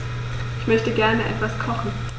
Ich möchte gerne etwas kochen.